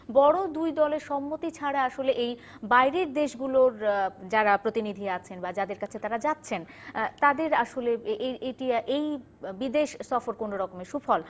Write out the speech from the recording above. বড় দুই দলের সম্মতি ছাড়া আসলে এই বাইরের দেশগুলোর যারা প্রতিনিধিরা আছেন বা যাদের কাছে তারা যাচ্ছেন তাদের আসলে এটি এই বিদেশ সফর কোন রকমের সুফল